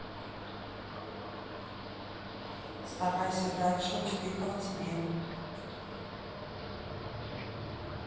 старайся дальше успехов тебе